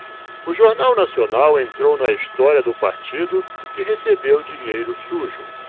o jornal nacional entrou na história do partido que recebeu dinheiro sujo